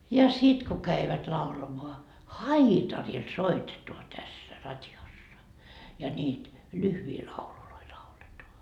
ja sitten kun kävivät laulamaan haitarilla soitetaan tässä radiossa ja niitä lyhyitä lauluja lauletaan